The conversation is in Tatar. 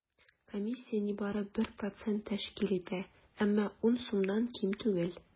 Комиссия нибары 1 процент тәшкил итә, әмма 10 сумнан ким түгел.